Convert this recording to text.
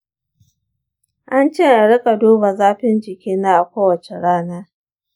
an ce in rika duba zafin jikina a kowace rana.